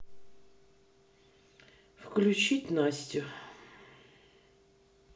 включить настю